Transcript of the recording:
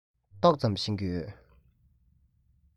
ཏོག ཙམ ཤེས ཀྱི ཡོད